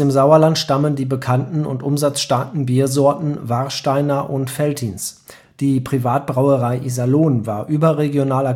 Sauerland stammen die bekannten und umsatzstarken Biersorten Warsteiner und Veltins. Die Privatbrauerei Iserlohn war überregional